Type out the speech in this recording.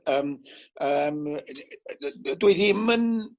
yym yym dwi ddim yn